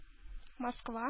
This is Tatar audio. Москва